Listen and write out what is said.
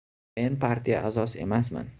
men partiya a'zosi emasman